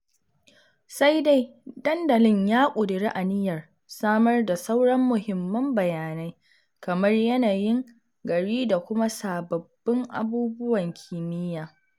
Sai dai dandalin ya ƙudiri aniyar samar da sauran muhimman bayanai, kamar yanayin gari da kuma sababbin abubuwan kimiyya.